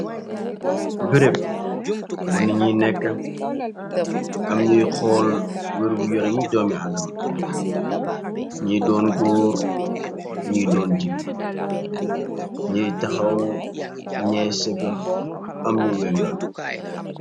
Bëreb bu nit yi nekka am ñuy xool wër bu yorami doomi adam ñiy doon góor ñiy doon jigéen ñiy taxaw ñee sëga am ñu wengalu.